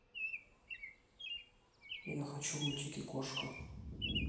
я хочу мультики кошка